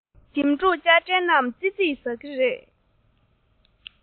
ཞིམ ཕྲུག པྲ ཆལ རྣམས ཙི ཙིས ཟ གི རེད